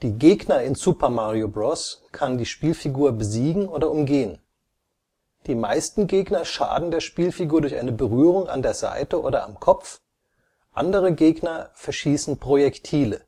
Gegner in Super Mario Bros. kann die Spielfigur besiegen oder umgehen. Die meisten Gegner schaden der Spielfigur durch eine Berührung an der Seite oder am Kopf, andere Gegner verschießen Projektile